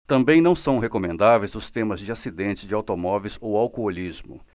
também não são recomendáveis os temas de acidentes de automóveis ou alcoolismo